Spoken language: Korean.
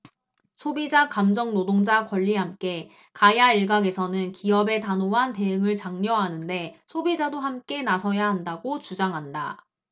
소비자 감정노동자 권리 함께 가야일각에서는 기업의 단호한 대응을 장려하는데 소비자도 함께 나서야 한다고 주장한다